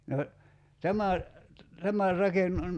no tämä tämä -